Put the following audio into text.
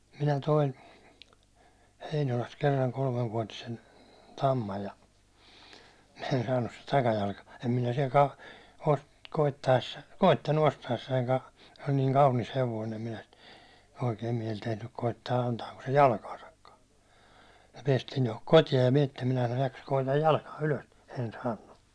minä toin Heinolasta kerran kolmevuotisen tamman ja en saanut sitä takajalka en minä siellä -- koettaessa koettanut ostaessanikaan se oli niin kaunis hevonen en minä sitä oikein mieli tehnyt koettaa antaako se jalkaansakaan ja päästiin tuohon kotiin ja minä että minä sanoin jahka koetan jalkaa ylös en saanut